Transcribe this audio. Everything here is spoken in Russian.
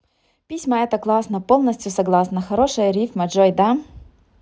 письма это классно полностью согласна хорошая рифма джой да